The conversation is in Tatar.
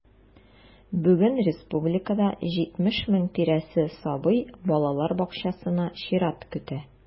Бүген республикада 70 мең тирәсе сабый балалар бакчасына чират көтә.